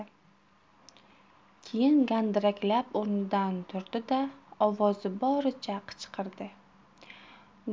keyin gandiraklab o'rnidan turdi da ovozi boricha qichqirdi